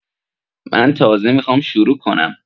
من تازه میخوام شروع کنم